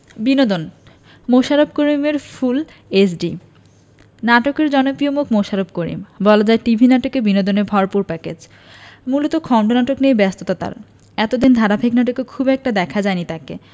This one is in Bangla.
বিনোদন মোশাররফ করিমের ফুল এইচডি নাটকের জনপ্রিয় মুখ মোশাররফ করিম বলা যায় টিভি নাটকে বিনোদনে ভরপুর প্যাকেজ মূলত খণ্ডনাটক নিয়েই ব্যস্ততা তার এতদিন ধারাবাহিক নাটকে খুব একটা দেখা যায়নি তাকে